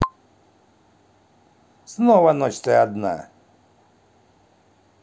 снова ночь ты одна